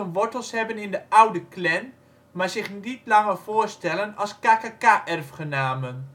wortels hebben in de oude Klan, maar zich niet langer voorstellen als KKK-erfgenamen